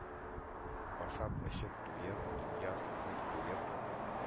Ашап-эчеп туеп, дөнья сүзен куеп,